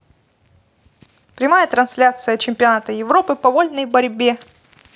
прямая трансляция чемпионата европы по вольной борьбе